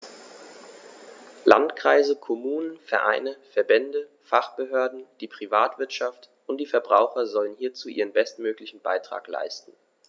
Landkreise, Kommunen, Vereine, Verbände, Fachbehörden, die Privatwirtschaft und die Verbraucher sollen hierzu ihren bestmöglichen Beitrag leisten.